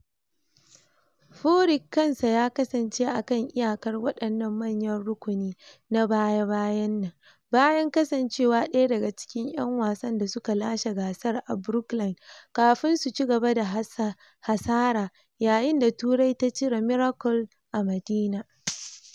Furyk kansa ya kasance a kan iyakar wadannan manyan rukuni na baya-bayan nan, bayan kasancewa daya daga cikin 'yan wasan da suka lashe gasar a Brookline kafin su ci gaba da hasara yayin da Turai ta cire "Miracle a Madinah."